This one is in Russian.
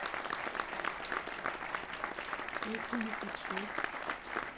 а если не хочу